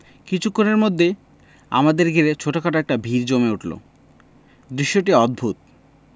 কিছুক্ষণের মধ্যেই আমাদের ঘিরে ছোটখাট একটা ভিড় জমে উঠল দৃশ্যটি অদ্ভুত